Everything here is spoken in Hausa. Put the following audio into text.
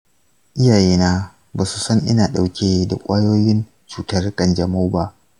iyayena ba su san ina ɗauke da ƙwayoyin cutar kanjamau ba.